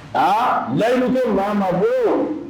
A layi maa ma bon